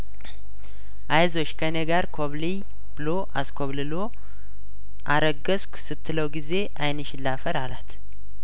አይዞሽ ከኔ ጋር ኮብልዪ ብሎ አስኮብልሎ አረገዝኩ ስትለው ጊዜ አይንሽን ላፈር አላት